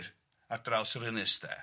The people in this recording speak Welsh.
ar draws yr ynys de.